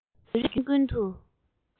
བྲོས པའི བརྒྱུད རིམ ཀུན ཏུ